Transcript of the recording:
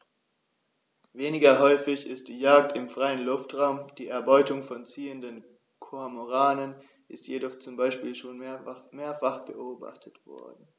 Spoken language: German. Weniger häufig ist die Jagd im freien Luftraum; die Erbeutung von ziehenden Kormoranen ist jedoch zum Beispiel schon mehrfach beobachtet worden.